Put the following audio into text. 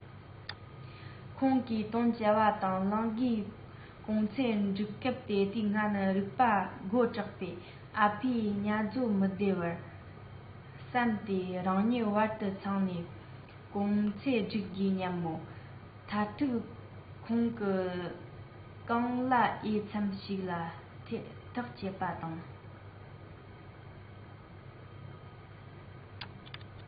ཁོང གིས དོས སྐྱེལ བ དང རྐང གླའི གོང ཚད འགྲིག སྐབས དེ དུས ང ནི རིག པ རྒོད དྲགས པས ཨ ཕའི སྨྲ བརྗོད མི བདེ བར བསམས ཏེ རང ཉིད བར དུ འཚངས ནས གོང ཚད སྒྲིག དགོས སྙམ མོད མཐར ཐུག ཁོང གི རྐང གླ འོས འཚམས ཞིག ལ ཐག བཅད པ དང